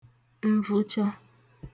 nvụcha